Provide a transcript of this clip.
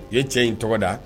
I ye cɛ in tɔgɔ da